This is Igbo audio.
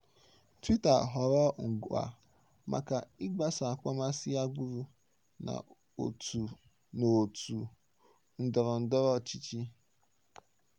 Twitter ghọrọ ngwá maka ịgbasa akpọmasị agbụrụ na òtù ndọrọndọrọ ọchịchị.